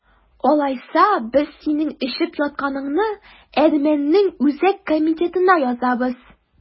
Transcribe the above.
Алайса, без синең эчеп ятканыңны әрмәннең үзәк комитетына язабыз!